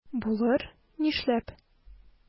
Булыр, нишләп?